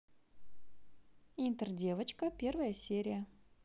интердевочка первая серия